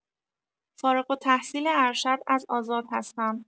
فارغ‌التحصیل ارشد از آزاد هستم.